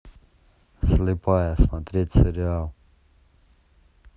слепая смотреть сериал